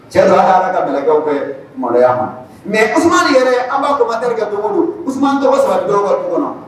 Cɛsa y'a kakaw kɛ maloya ma mɛ yɛrɛ an b'a ban terikɛ ka bɔsman tɔgɔ saba dɔrɔn wɛrɛ kɔnɔ